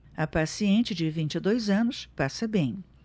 a paciente de vinte e dois anos passa bem